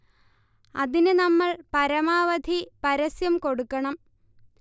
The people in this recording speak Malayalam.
അതിന് നമ്മൾ പരമാവധി പരസ്യം കൊടുക്കണം